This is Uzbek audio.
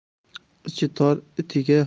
ichi tor itiga